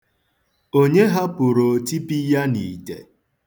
Onye hapụrụ otipi ya n'ite?